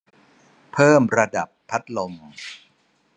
เพิ่มระดับพัดลม